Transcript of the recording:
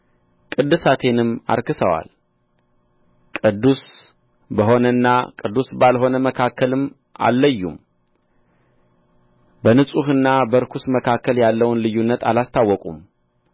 ቅድሳቴንም አርክሰዋል ቅዱስ በሆነና ቅዱስ ባልሆነ መካከልም አልለዩም በንጹሕና በርኩስ መካከል ያለውን ልዩነት አላስታወቁም